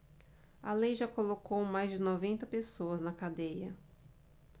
a lei já colocou mais de noventa pessoas na cadeia